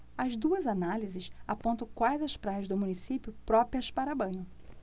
as duas análises apontam quais as praias do município próprias para banho